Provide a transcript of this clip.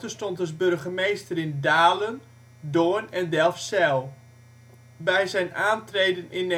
stond als burgemeester in Dalen, Doorn en Delfzijl. Bij zijn aantreden in